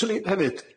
'Swn i hefyd,